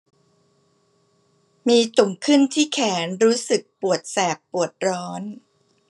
มีตุ่มขึ้นที่แขนรู้สึกปวดแสบปวดร้อน